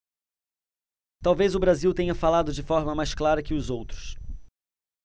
talvez o brasil tenha falado de forma mais clara que os outros